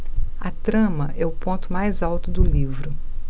a trama é o ponto mais alto do livro